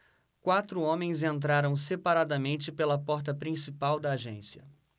quatro homens entraram separadamente pela porta principal da agência